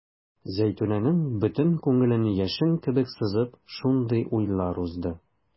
Зәйтүнәнең бөтен күңелен яшен кебек сызып шундый уйлар узды.